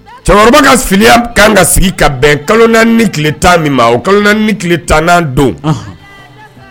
Cɛkɔrɔba ka firiya ka kan sigi ka bɛn kalo 4 ni tile 10 min ma, o kalo 4 ni tile 10 na dɔn, unhun.